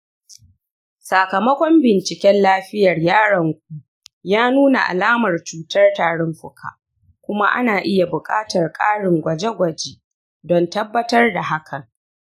sakamakon binciken lafiyar yaronku ya nuna alamar cutar tarin fuka, kuma ana iya buƙatar ƙarin gwaje-gwaje don tabbatar da hakan.